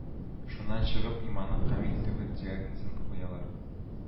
Шуннан чыгып, иманы камил түгел диагнозын куялар